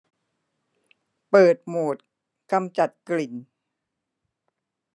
เปิดโหมดกำจัดกลิ่น